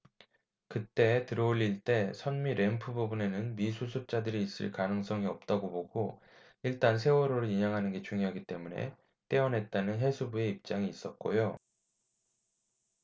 그때 들어올릴 때 선미 램프 부분에는 미수습자들이 있을 가능성이 없다고 보고 일단 세월호를 인양하는 게 중요하기 때문에 떼어냈다는 해수부의 입장이 있었고요